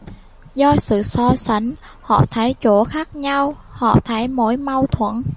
do sự so sánh họ thấy chỗ khác nhau họ thấy mối mâu thuẫn